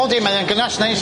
O yndi ma' o'n gynnas neis.